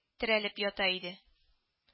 Терәлеп ята иде